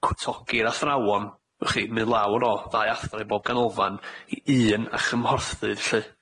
cwtogi'r athrawon, y'ch chi, myn' lawr o ddau athro i bob canolfan i un a chymhorthydd lly.